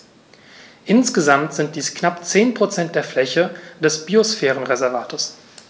Insgesamt sind dies knapp 10 % der Fläche des Biosphärenreservates.